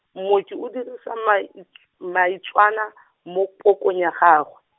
mmoki o dirisa mma i tsw-, mma i tswana , mo pokong ya gagwe.